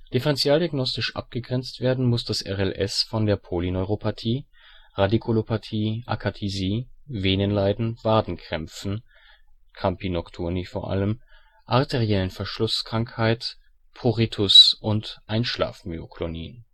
Differentialdiagnostisch abgegrenzt werden muss das RLS von der Polyneuropathie, Radikulopathie, Akathisie, Venenleiden, Wadenkrämpfen (Crampi nocturni), arteriellen Verschlusskrankheit („ Schaufensterkrankheit “), Pruritus und Einschlafmyoklonien